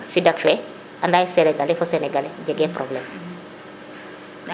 Fidac fe anda ye Senegalais fo Senegalais jege probleme